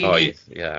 Oedd ie.